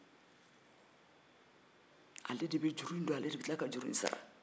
ale de bɛ juru in don ale de bɛ tila ka juru in sara